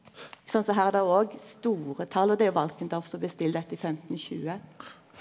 sant så her er der òg store tal og det er jo Valkendorf som bestiller dette i femtentjue.